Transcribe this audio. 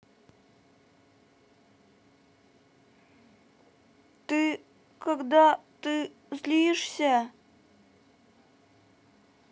ты когда ты злишься